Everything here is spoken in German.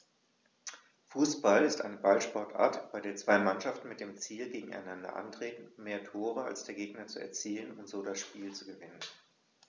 Fußball ist eine Ballsportart, bei der zwei Mannschaften mit dem Ziel gegeneinander antreten, mehr Tore als der Gegner zu erzielen und so das Spiel zu gewinnen.